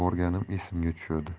borganim esimga tushadi